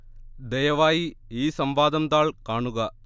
ദയവായി ഈ സംവാദം താൾ കാണുക